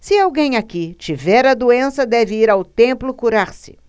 se alguém aqui tiver a doença deve vir ao templo curar-se